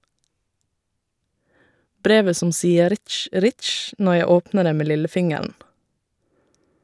Brevet som sier ritsj, ritsj når jeg åpner det med lillefingeren?